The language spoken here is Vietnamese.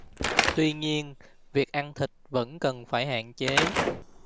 tuy nhiên việc ăn thịt vẫn cần phải hạn chế